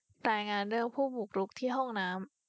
รายงานเรื่องผู้บุกรุกที่ห้องน้ำ